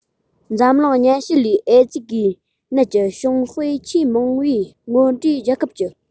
འཛམ གླིང སྙན ཞུ ལས ཨེ ཙི འགོས ནད ཀྱི བྱུང དཔེ ཆེས མང བའི སྔོན གྲས རྒྱལ ཁབ བཅུ